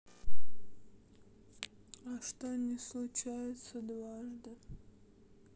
а что не случается дважды